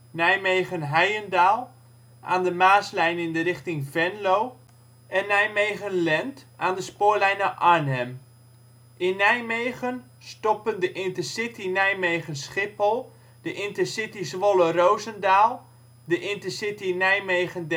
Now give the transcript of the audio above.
Nijmegen Heyendaal (aan de Maaslijn in de richting Venlo) Nijmegen Lent (aan de spoorlijn naar Arnhem) In Nijmegen stoppen de intercity Nijmegen - Schiphol, de intercity Zwolle - Roosendaal, de intercity Nijmegen